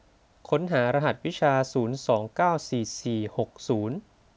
ค้นหารหัสวิชาศูนย์สองเก้าสี่สี่หกศูนย์